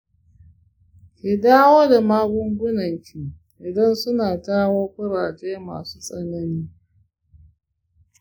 ki dawo da magungunanki idan suna jawo ƙuraje masu tsanani.